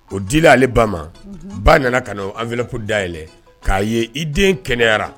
O dilen ale ba ma unhun ba nana ka n'o envéloppe dayɛlɛ k'a ye i den kɛnɛyara